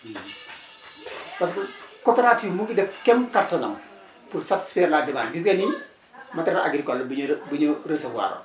parce que coopérative mu ngi def kéem kattanam pour satisfaire la demande gis nga nii matériels agricoles bi ñu re bi ñu recevoir